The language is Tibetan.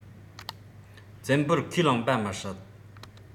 བཙན པོར ཁས བླངས པ མི སྲིད